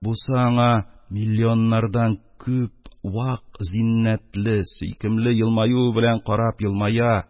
Бусы аңа миллионнардан күп, вак зиннәтле, сөйкемле елмаюы белән карап елмая,